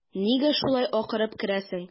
Нигә шулай акырып керәсең?